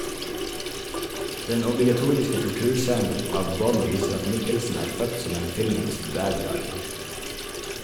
Den obligatoriske torturscenen av Bond viser at Mikkelsen er født som en filmens «bad guy».